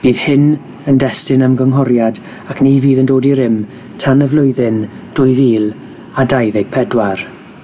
Bydd hyn yn destun ymgynghoriad ac ni fydd yn dod i rym tan y flwyddyn dwy fil a dau ddeg pedwar.